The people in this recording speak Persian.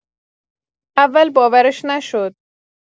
اول باورش نشد.